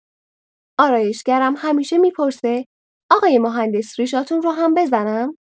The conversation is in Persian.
آرایشگرم همیشه می‌پرسه آقای مهندس ریشاتون رو هم بزنم؟